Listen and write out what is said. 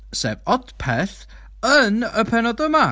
Sef, odpeth yn y pennod yma.